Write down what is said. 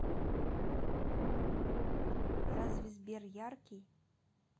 разве сбер яркий